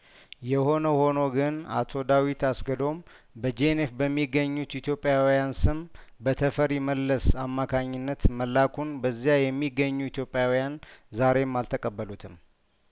የሆነ ሆኖ ግን አቶ ዳዊት አስገዶም በጄኔቭ በሚገኙት ኢትዮጵያዊያን ስም በተፈሪ መለስ አማካኝነት መላኩን በዚያ የሚገኙ ኢትዮጵያዊያን ዛሬም አልተቀበሉትም